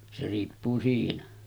se riippuu siinä